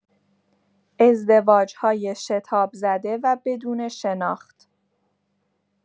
ازدواج‌های شتاب‌زده و بدون شناخت